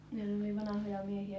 ne oli niin vanhoja miehiä